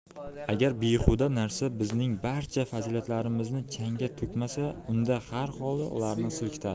agar behuda narsa bizning barcha fazilatlarimizni changga to'kmasa unda har holda ularni silkitadi